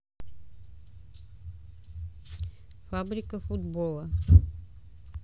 фабрика футбола